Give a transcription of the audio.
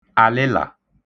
àlịlà